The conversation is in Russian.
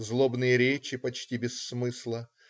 Злобные речи, почти без смысла.